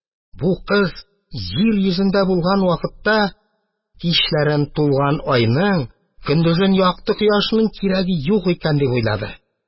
«бу кыз җир йөзендә булган вакытта, кичләрен тулган айның, көндезен якты кояшның кирәге юк икән», – дип уйлады.